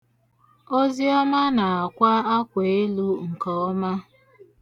Oziọma na-akwa akweelu nke ọma.